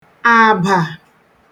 àbà